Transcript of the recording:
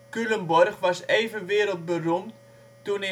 Culemborg was even wereldberoemd toen